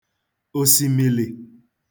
òsìmìlì